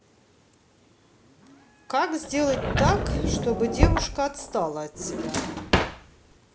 как сделать так чтобы девушка отстала от тебя